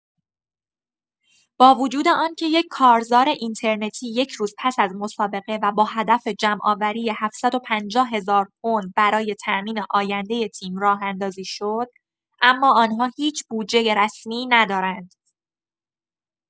با وجود آن‌که یک کارزار اینترنتی یک روز پس از مسابقه و با هدف جمع‌آوری ۷۵۰ هزار پوند برای تامین آینده تیم راه‌اندازی شد، اما آن‌ها هیچ بودجه رسمی ندارند.